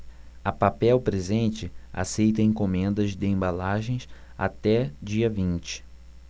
a papel presente aceita encomendas de embalagens até dia vinte